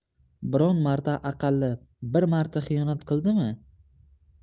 biron marta aqalli bir marta xiyonat qildimi